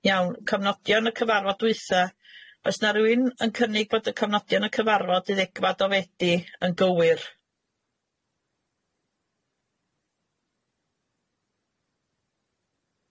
Iawn, cofnodion y cyfarfod dwytha, oes na rywun yn cynnig bod y cofnodion y cyfarfod i ddegfad o Fedi yn gywir?